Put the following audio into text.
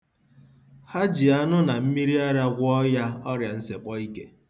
Ha ji anụ na mmiriara gwọọ ya ọrịansekpọike.